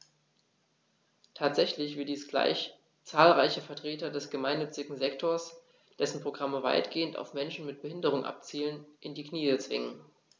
Tatsächlich wird dies gleich zahlreiche Vertreter des gemeinnützigen Sektors - dessen Programme weitgehend auf Menschen mit Behinderung abzielen - in die Knie zwingen.